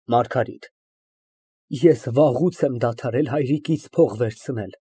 ՄԱՐԳԱՐԻՏ ֊ Ես վաղուց եմ դադարել հայրիկից փող վերցնել։